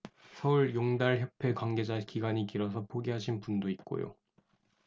서울용달협회 관계자 기간이 길어서 포기하신 분도 있고요